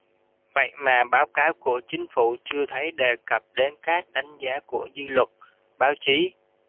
vậy mà báo cáo của chính phủ chưa thấy đề cập đến các đánh giá của dư luận báo chí